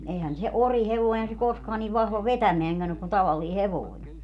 eihän se orihevonen - se koskaan niin vahva vetämäänkään ole kuin tavallinen hevonen